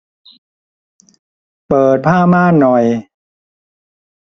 เปิดผ้าม่านหน่อย